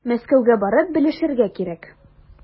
Мәскәүгә барып белешергә кирәк.